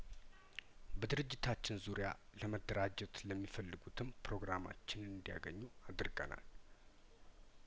በድርጅታችን ዙሪያ ለመደራጀት ለሚፈልጉትም ፕሮግራማችንን እንዲ ያገኙ አድርገናል